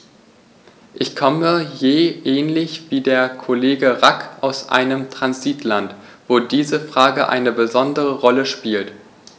Ich komme ja ähnlich wie der Kollege Rack aus einem Transitland, wo diese Frage eine besondere Rolle spielt.